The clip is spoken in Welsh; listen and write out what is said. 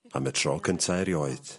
...am y tro cynta erioed.